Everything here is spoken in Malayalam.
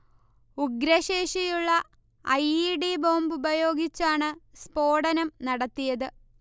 ഉഗ്രശേഷിയുള്ള ഐ. ഇ. ഡി. ബോംബുപയോഗിച്ചാണ് സ്ഫോടനം നടത്തിയത്